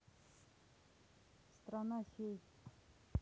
страна фей